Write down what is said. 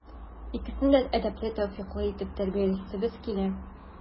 Икесен дә әдәпле, тәүфыйклы итеп тәрбиялисебез килә.